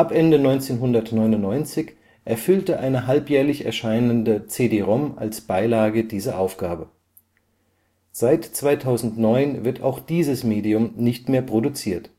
Ende 1999 erfüllte eine halbjährlich erscheinende CD-ROM als Beilage diese Aufgabe. Seit 2009 wird auch dieses Medium nicht mehr produziert